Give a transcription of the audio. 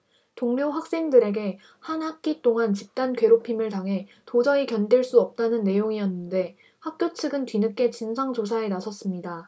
동료 학생들에게 한 학기 동안 집단 괴롭힘을 당해 도저히 견딜 수 없다는 내용이었는데 학교 측은 뒤늦게 진상조사에 나섰습니다